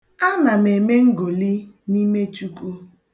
Ana m eme ngoli n'ime Chukwu.